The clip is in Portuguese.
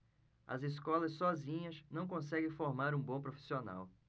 as escolas sozinhas não conseguem formar um bom profissional